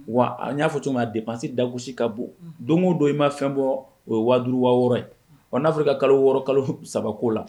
Wa a n y'a fɔ cogo'a depsi dagosi ka bon don o don i ma fɛn bɔ o ye wagadu waa wɔɔrɔ ye ɔ n'a fɔra ka kalo wɔɔrɔ kalo sabako la